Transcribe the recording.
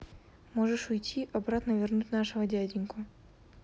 можешь уйти обратно вернуть нашего дяденьку